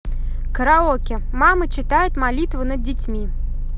караоке мама читает молитву над детьми